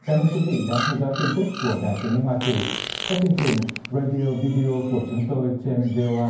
cám ơn quý vị đã theo dõi tin tức của đài tiếng nói hoa kỳ các chương trình ra đi ô vi đi ô của chúng tôi trên vê ô a